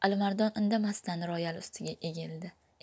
alimardon indamasdan royal ustiga egildi